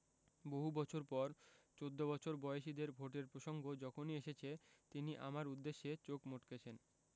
বহু বছর পর চৌদ্দ বছর বয়সীদের ভোটের প্রসঙ্গ যখনই এসেছে তিনি আমার উদ্দেশে চোখ মটকেছেন